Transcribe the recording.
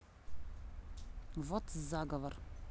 вот заговор